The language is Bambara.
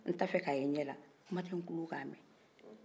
n ta fɛ k'a ye n ɲɛn la kuma tɛ n tulu ka mɛ